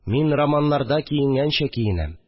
Мин романнарда киенгәнчә киенәм